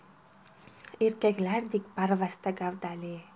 erkaklardek barvasta gavdali